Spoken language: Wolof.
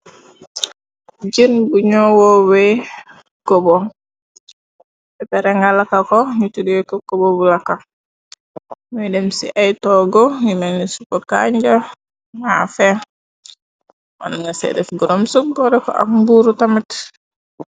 Jën bu ñoo woowee ko bo peperenga laka ko nu tudee ko kobo bu laka muy dem ci ay toogo yimeni su po kanja ma fe won nga say def goroom sob bore ko ak mbuuru tamit.